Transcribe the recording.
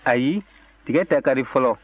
ayi tiga tɛ kari fɔlɔ